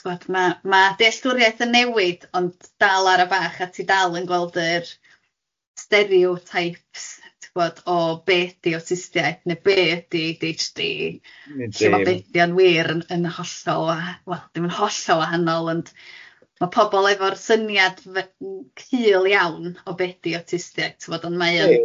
tibod ma ma dealltwriaeth yn newid ond dal ara bach a ti dal yn gweld yr stereotypes ti'n gwybod o be ydy awtistiaeth neu be ydy ay dee haitch dee lle ma be ydy o'n wir yn yn hollol waha- wel dim yn hollol wahanol ond ma' pobl efo'r syniad f- cul iawn o be ydy awtistiaeth tibod ond mae o'n fel